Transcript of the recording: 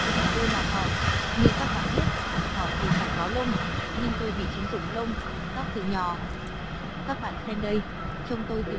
tôi là thỏ như các bạn biết thỏ thì phải có lông nhưng tôi bị chứng rụng lông tóc từ nhỏ các bạn xem đây trông tôi tiều